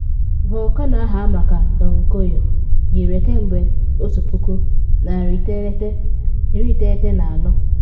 Volkano ahụ ama ka “Don Goyo” dị ire kemgbe 1994.